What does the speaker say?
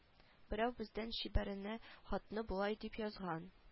Берәү бездән чибәренә хатны болай дип язган